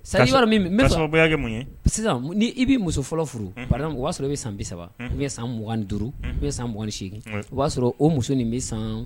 K'a sab c'est à dire i b'a dɔn min b n be ka sababuya kɛ mun ye sisan o ni i b'i muso fɔlɔ furu unhun _ par exemple o b'a sɔrɔ e be san 30 unhun ou bien san 25 unhun ou bien san 28 oui o b'a sɔrɔ o muso nin be saan